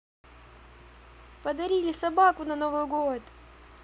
подарили собаку на новый год